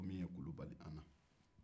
min ye kulu bali an na